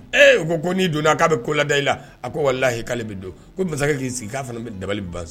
Ee u ko n'i donna k'a bɛ ko lada i la a ko walahi k'ale bɛ don ko masakɛ k'i sigi k'a fana bɛ dabali ba